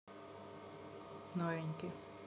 новенький